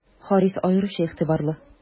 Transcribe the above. Харис аеруча игътибарлы.